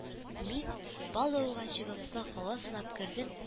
Мин, палубага чыгып, саф һава сулап кердем